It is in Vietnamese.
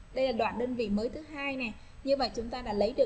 đoạn đơn vị mới thứ hai này như vậy chúng ta đã lấy